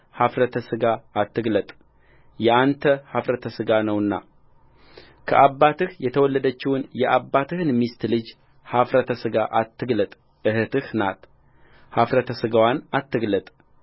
ኃፍረተ ሥጋ አትግለጥ የአንተ ኃፍረተ ሥጋ ነውናከአባትህ የተወለደችውን የአባትህን ሚስት ልጅ ኃፍረተ ሥጋ አትግለጥ እህትህ ናት ኃፍረተ ሥጋዋን አትግለጥ